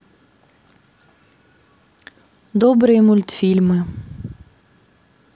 добрые мультфильмы